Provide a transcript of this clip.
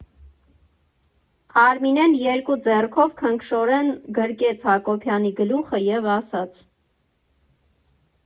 Արմինեն երկու ձեռքով քնքշորեն գրկեց Հակոբյանի գլուխը և ասաց.